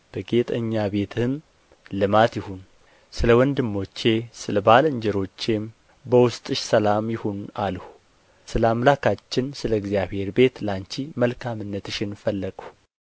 በጌጠኛ ቤትህም ልማት ይሁን ስለ ወንድሞቼ ስለ ባልንጀሮቼም በውስጥሽ ሰላም ይሁን አልሁ ስለ አምላካችን ስለ እግዚአብሔር ቤት ላንቺ መልካምነትሽን ፈለግሁ